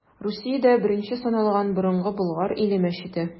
Русиядә беренче саналган Борынгы Болгар иле мәчете.